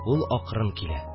Ул акрын килә